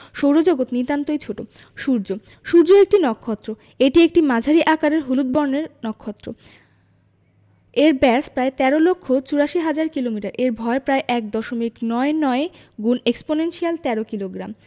সৌরজগৎ নিতান্তই ছোট সূর্যঃ সূর্য একটি নক্ষত্র এটি একটি মাঝারি আকারের হলুদ বর্ণের নক্ষত্র এর ব্যাস প্রায় ১৩ লক্ষ ৮৪ হাজার কিলোমিটার এবং ভর প্রায় এক দশমিক নয় নয় এক্সপনেনশিয়াল ১৩ কিলোগ্রাম